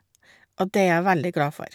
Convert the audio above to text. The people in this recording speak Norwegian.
Og det er jeg veldig glad for.